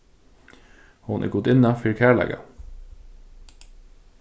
hon er gudinna fyri kærleika